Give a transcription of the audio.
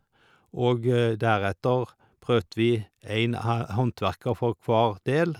Og deretter prøvde vi en a håndverker for hver del.